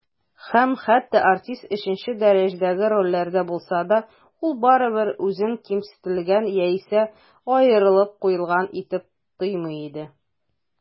Һәм хәтта артист өченче дәрәҗәдәге рольләрдә булса да, ул барыбыр үзен кимсетелгән яисә аерылып куелган итеп тоймый иде.